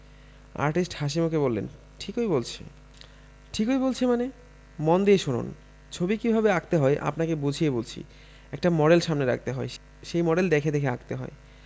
artist হাসিমুখে বললেন ঠিকই বলছে ‘ঠিকই বলছে মানে মন দিয়ে শুনুন ছবি কি ভাবে আঁকতে হয় আপনাকে বুঝিয়ে বলছি একটা মডেল সামনে রাখতে হয় সেই মডেল দেখে দেখে আঁকতে হয়